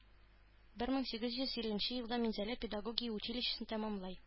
Бер мең сигез йөз илленче елда Минзәлә педагогия училищесын тәмамлый